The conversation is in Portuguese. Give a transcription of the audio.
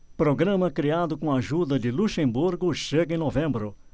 programa criado com a ajuda de luxemburgo chega em novembro